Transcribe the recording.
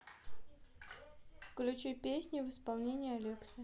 включи песни в исполнении алексы